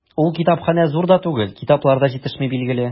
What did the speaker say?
Ул китапханә зур да түгел, китаплар да җитешми, билгеле.